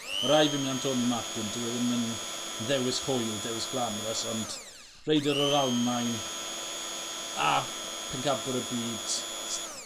Ma' rhaid fi myn' am Toni Martin dyw e ddim yn ddewis hwyl dewis glamorous ond reidiwr o'r Almaen a pencampwr y byd s-